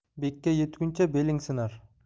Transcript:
bekka yetguncha beling sinar